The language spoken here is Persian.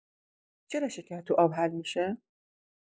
چرا شکر تو آب حل می‌شه؟